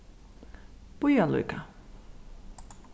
bíða líka